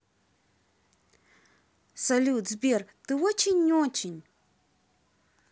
салют сбер ты очень очень